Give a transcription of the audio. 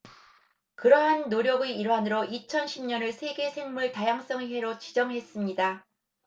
그러한 노력의 일환으로 이천 십 년을 세계 생물 다양성의 해로 지정했습니다